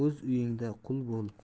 o'z uyingda qui bo'l